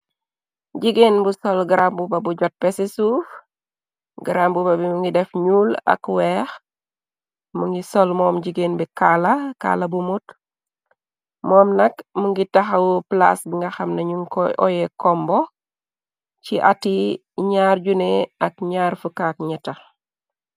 Jigéen bu sol grambuba bu jot besi suuf, grambuba bi mi ngi def ñuul ak weex, mu ngi sol moom jigéen bi kaala, kaala bu mut, moom nak mu ngi taxawu plaas bi nga xamneñu ko oye Kombo, ci ati nyaari junne ak nyaar fukkak nyatte.